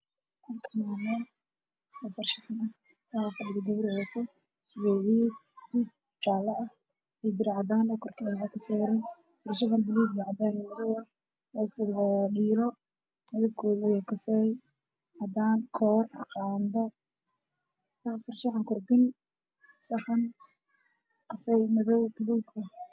Meshan waxaa fadhiya gabar wadata garba saar gaduud ah